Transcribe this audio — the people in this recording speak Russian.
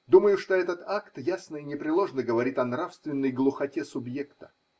Думаю, что этот акт ясно и непреложно говорит о нравственной глухоте субъекта.